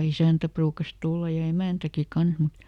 ja isäntä ruukasi tulla ja emäntäkin kanssa mutta